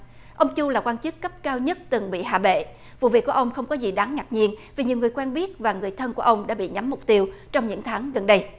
ông chu là quan chức cấp cao nhất từng bị hạ bệ vụ việc của ông không có gì đáng ngạc nhiên vì nhiều người quen biết và người thân của ông đã bị nhắm mục tiêu trong những tháng gần đây